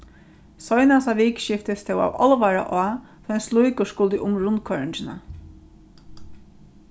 seinasta vikuskifti stóð av álvara á tá ein slíkur skuldi um rundkoyringina